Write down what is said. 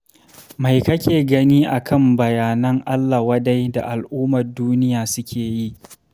Mai kake gani akan bayanan Allah wadai da al’ummar duniya suke yi?